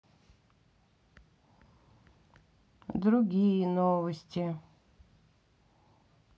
другие новости